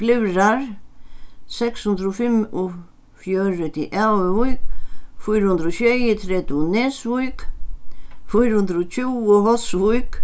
glyvrar seks hundrað og fimmogfjøruti æðuvík fýra hundrað og sjeyogtretivu nesvík fýra hundrað og tjúgu hósvík